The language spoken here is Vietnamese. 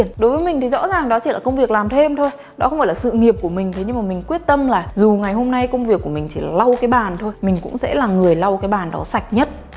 đối với mình thì rõ ràng đó chỉ là công việc làm thêm thôi đó không phải là sự nghiệp của mình thế nhưng mà mình quyết tâm là dù ngày hôm nay công việc của mình chỉ lau cái bàn thôi mình cũng sẽ là người lau cái bàn đó sạch nhất